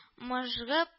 Мыжгып